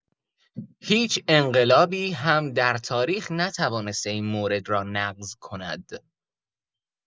هیچ انقلابی هم در تاریخ نتوانسته این مورد را نقص کند.